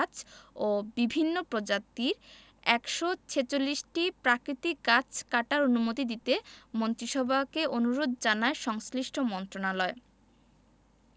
১ হাজার ৪০০টি আকাশমণি গাছ ও বিভিন্ন প্রজাতির ১৪৬টি প্রাকৃতিক গাছ কাটার অনুমতি দিতে মন্ত্রিসভাকে অনুরোধ জানায় সংশ্লিষ্ট মন্ত্রণালয়